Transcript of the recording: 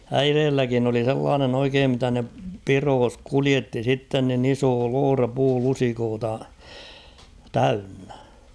äidilläkin oli sellainen oikein mitä ne pidoissa kuljetti sitten niin iso loota puulusikoita täynnä